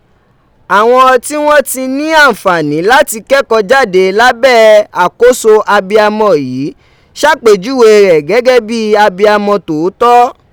Awọn ti wọn ti ni anfaani lati kẹkọọ jade labẹ akoso abiyamọ yi ṣapejuwe rẹ gẹgẹ bii abiyamọ tootọ.